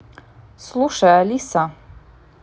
слушай алиса